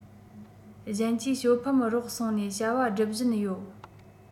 གཞན གྱིས ཞོ ཕམ རོགས སོང ནས བྱ བ སྒྲུབ བཞིན ཡོད